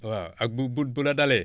waaw ak bu bu bu la dalee